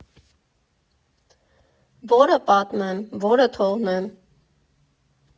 Ո՞րը պատմեմ, ո՞րը թողնեմ.